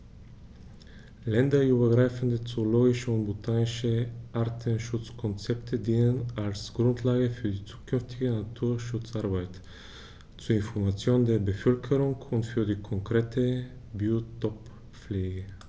Länderübergreifende zoologische und botanische Artenschutzkonzepte dienen als Grundlage für die zukünftige Naturschutzarbeit, zur Information der Bevölkerung und für die konkrete Biotoppflege.